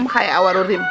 comme : fra xaye a waro rim